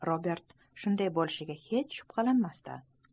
robert shunday bo'lishiga hech shubhalanmas edi